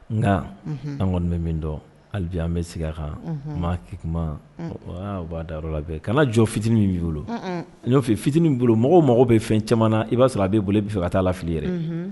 Nka an kɔni bɛ min dɔn alibi an bɛ sigira kan maaki kuma u b'a da yɔrɔ bɛɛ kana jɔ fitinin' bolo'ofi fitinin bolo mɔgɔw mɔgɔw bɛ fɛn caman i b'a sɔrɔ a b'i bolo i bɛ fɛ ka taa lafi fili i yɛrɛ